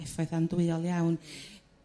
effaith andwyol iawn.